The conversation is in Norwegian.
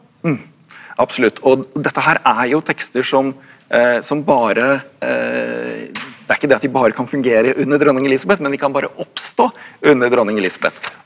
absolutt og dette her er jo tekster som som bare det er ikke det at de bare kan fungere under dronning Elizabeth men de kan bare oppstå under dronning Elizabeth.